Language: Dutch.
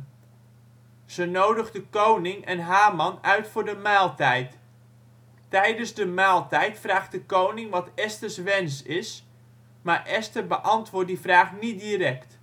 Ze nodigt de koning en Haman uit voor de maaltijd. Tijdens de maaltijd vraagt de koning wat Esthers wens is, maar Esther beantwoordt die vraag niet direct